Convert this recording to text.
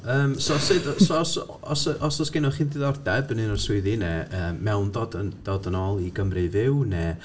Yym, so sut, so os os os oes gennych chi diddordeb yn un o'r swyddi, neu yy mewn dod yn dod yn ôl i Gymru i fyw, neu...